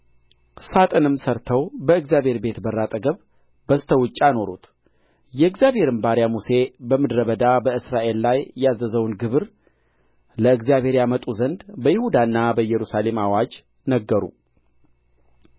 ሣጥንም ሠርተው በእግዚአብሔር ቤት በር አጠገብ በስተ ውጭ አኖሩት የእግዚአብሔርም ባሪያ ሙሴ በምድረ በዳ በእስራኤል ላይ ያዘዘውን ግብር ለእግዚአብሔር ያመጡ ዘንድ በይሁዳና በኢየሩሳሌም አዋጅ ነገሩ